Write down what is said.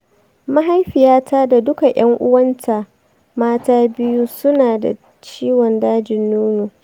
mahaifiyata da duka ƴan-uwanta mata biyu su na da ciwon dajin nono